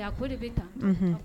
Ko de bɛ taa